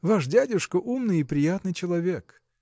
– Ваш дядюшка умный и приятный человек!